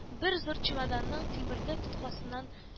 Бер зур чемоданның тимерле тоткасын